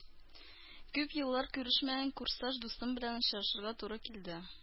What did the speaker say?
Күп еллар күрешмәгән курсташ дустым белән очрашырга туры килде